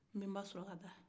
nbenba sulakata